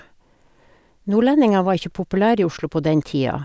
Nordlendinger var ikke populære i Oslo på den tida.